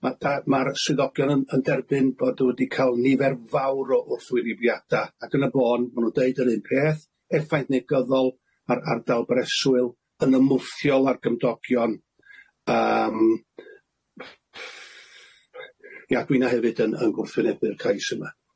Ma' da- ma'r swyddogion yn yn derbyn bod n'w wedi ca'l nifer fawr o wrthwynebiada' ac yn y bôn ma' n'w'n deud yr un peth, effaith negyddol ar ardal breswyl yn ymwthiol â'r gymdogion, yym ia dwi 'na hefyd yn yn gwrthwynebu'r cais yma.